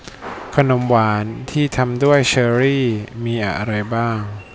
ขนมหวานที่ทำด้วยเชอร์รี่มีอะไรบ้าง